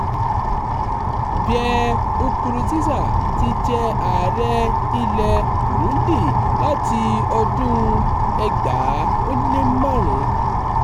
Pierre Nkurunziza ti jẹ ààrẹ ilẹ̀ Burundi láti ọdún 2005.